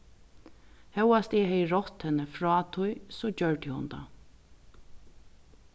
hóast eg hevði rátt henni frá tí so gjørdi hon tað